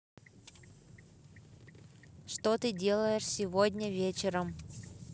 что ты делаешь сегодня вечером